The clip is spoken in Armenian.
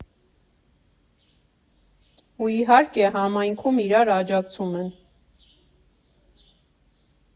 Ու, իհարկե, համայնքում իրար աջակցում են։